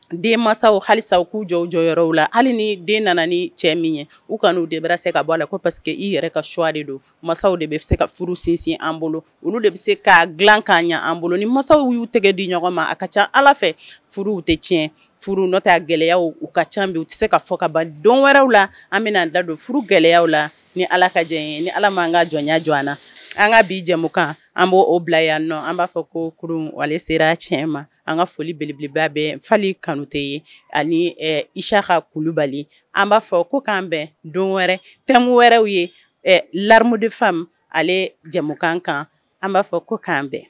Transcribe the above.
Den masaw halisa u k'u jɔ jɔyɔrɔw la hali ni den nana ni cɛ min ye u ka n'u dera se k ka bɔ la ko pa queseke que i yɛrɛ ka swa de don masaw de bɛ se ka furu sensin an bolo olu de bɛ se ka dilakan ɲɛan bolo ni masaw y'u tɛgɛ di ɲɔgɔn ma a ka ca ala fɛ furu tɛ tiɲɛ furuo tɛ gɛlɛya u ka ca u bɛ se ka fɔ ka ban don wɛrɛw la an bɛa dadon furu gɛlɛya la ni ala ka jan ni ala ma an ka jɔnya jɔ an na an ka bi jɛmukan an b'o bila yan nɔ an b'a fɔ kourun sera tiɲɛ ma an ka foli belebba bɛ falenli kanute ye ani isa ka kulubali an b'a fɔ ko k'an bɛn don wɛrɛ tama wɛrɛw ye lamudifa ale jamukan kan an b'a fɔ ko k'an bɛn